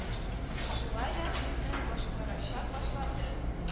Шулай да сүзне башкарачак башлады